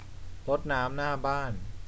รดน้ำหน้าบ้าน